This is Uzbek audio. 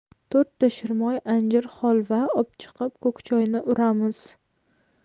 to'rtta shirmoy anjir xolva obchiqib ko'k choyni uramiz